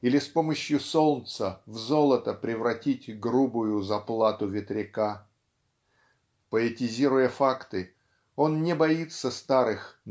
или с помощью солнца в золото превратить грубую заплату ветряка. Поэтизируя факты он не боится старых